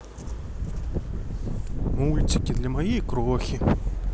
мультики для моей крохи